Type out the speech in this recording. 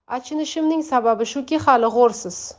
achinishimning sababi shuki hali g'o'rsiz